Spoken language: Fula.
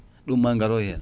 ɗum ma en garoy hen